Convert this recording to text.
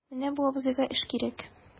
Менә бу абзыйга эш кирәк...